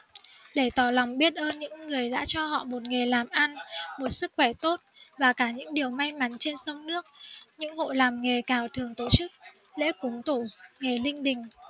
để tỏ lòng biết ơn người đã cho họ một nghề làm ăn một sức khỏe tốt và cả những điều may mắn trên sông nước những hộ làm nghề cào thường tổ chức lễ cúng tổ nghề linh đình